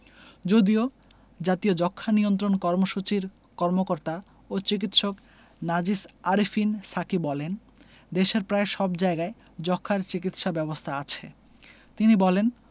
যদিও জাতীয় যক্ষ্মা নিয়ন্ত্রণ কর্মসূচির কর্মকর্তা ও চিকিৎসক নাজিস আরেফিন সাকী বলেন দেশের প্রায় সব জায়গায় যক্ষ্মার চিকিৎসা ব্যবস্থা আছে তিনি বলেন